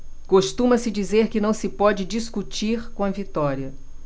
costuma-se dizer que não se pode discutir com a vitória